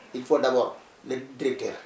il faut d' abord le directeur